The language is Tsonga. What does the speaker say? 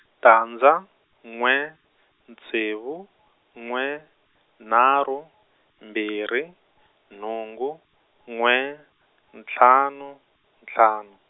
tandza, n'we, ntsevu, n'we, nharhu, mbirhi, nhungu, n'we, ntlhanu, ntlhanu.